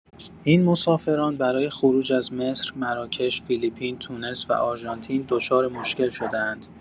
این مسافران برای خروج از مصر، مراکش، فیلیپین، تونس و آرژانتین دچار مشکل شده‌اند.